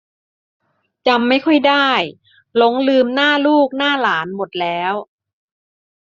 จำไม่ค่อยได้หลงลืมหน้าลูกหน้าหลานหมดแล้ว